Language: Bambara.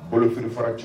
Balofi fara cɛ